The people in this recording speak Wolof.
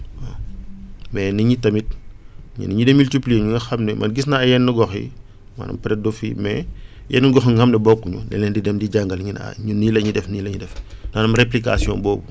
waaw mais nit ñi tamit ñenn ñi di multiplier ñoo xam ne man gis naa yenn gox yi maanaam peut être du fii mais yeneen gox yu nga xam ne bokkuñu dañ leen di dem di leen jàngal ñu ne ah ñun nii la ñuy def nii la ñuy def maanam réplication boobu